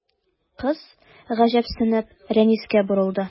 Кыз, гаҗәпсенеп, Рәнискә борылды.